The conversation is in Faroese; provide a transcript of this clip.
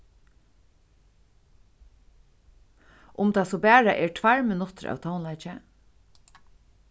um tað so bara er tveir minuttir av tónleiki